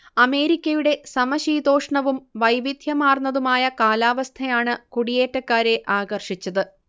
അമേരിക്കയുടെ സമശീതോഷ്ണവും വൈവിധ്യമാർന്നതുമായ കാലവസ്ഥയാണ് കുടിയേറ്റക്കാരെ ആകർഷിച്ചത്